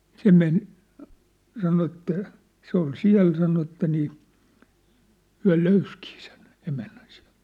se meni sanoi että se oli siellä sanoi että niin he löysikin sen emännän sieltä